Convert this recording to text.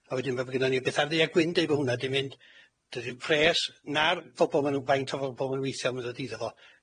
A wedyn bo' gynnan ni betha ar ddu a gwyn yn deud bo' hwnna 'di mynd. Dydi'r pres na'r phobol ma' nw'- faint o fobol ma' nw'n weithio'm yn ddod iddy fo.